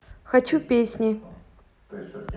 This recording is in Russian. хочу песни